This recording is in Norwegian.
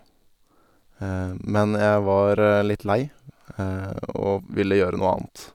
Men jeg var litt lei, og v ville gjøre noe annet.